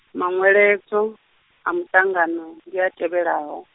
manweledzo, a muṱangano, ndi a tevhelaho.